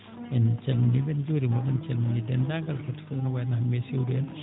en calminii ɓe en njuuriima ɓe en calminii deenndaangal kettotooɓe wayi no Hamet sow en